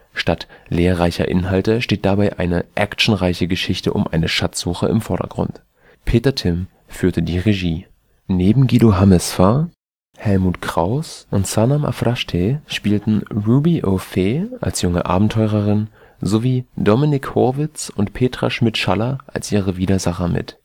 Statt lehrreicher Inhalte steht dabei eine actionreiche Geschichte um eine Schatzsuche im Vordergrund. Peter Timm führte die Regie. Neben Guido Hammesfahr, Helmut Krauss und Sanam Afrashteh spielen Ruby O. Fee als junge Abenteurerin sowie Dominique Horwitz und Petra Schmidt-Schaller als ihre Widersacher mit